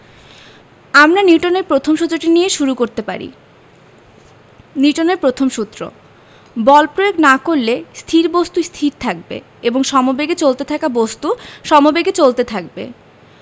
আমরা নিউটনের প্রথম সূত্রটি দিয়ে শুরু করতে পারি নিউটনের প্রথম সূত্র বল প্রয়োগ না করলে স্থির বস্তু স্থির থাকবে এবং সমেবেগে চলতে থাকা বস্তু সমেবেগে চলতে থাকবে